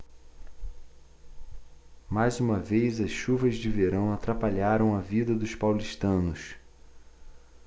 mais uma vez as chuvas de verão atrapalharam a vida dos paulistanos